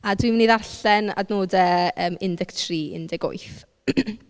A dwi'n mynd i ddarllen adnodau yym un deg tri un deg wyth .